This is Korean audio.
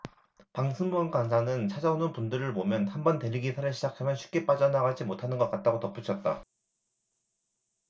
방승범 간사는 찾아오는 분들을 보면 한 번 대리기사를 시작하면 쉽게 빠져나가지 못하는 것 같다고 덧붙였다